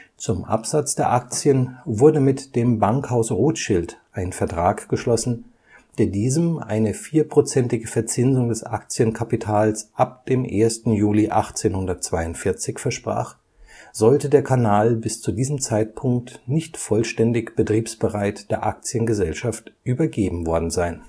Zum Absatz der Aktien wurde mit dem Bankhaus Rothschild ein Vertrag geschlossen, der diesem eine vierprozentige Verzinsung des Aktienkapitals ab dem 1. Juli 1842 versprach, sollte der Kanal bis zu diesem Zeitpunkt nicht vollständig betriebsbereit der Aktiengesellschaft übergeben worden sein